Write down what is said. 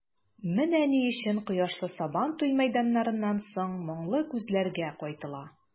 Менә ни өчен кояшлы Сабантуй мәйданнарыннан соң моңлы күзләргә кайтыла.